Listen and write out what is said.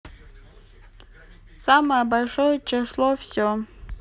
самое большое число все